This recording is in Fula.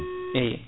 eyye